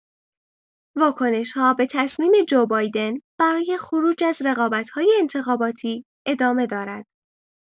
واکنش‌ها به تصمیم جو بایدن برای خروج از رقابت‌های انتخاباتی ادامه دارد.